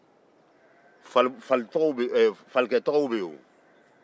falikɛtɔgɔw be yen o